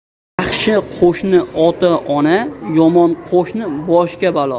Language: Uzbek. yaxshi qo'shni ota ona yomon qo'shni boshga balo